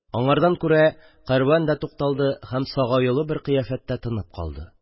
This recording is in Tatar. Аңардан күрә кәрван да тукталды һәм сагаюлы бер кыяфәттә тынып калды.